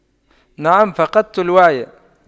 نعم فقدت الوعي